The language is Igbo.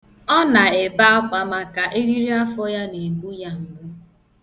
Ọ na-ebe akwa maka eririafọ ya na-egbu ya mgbu.